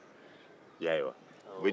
i y'a ye wa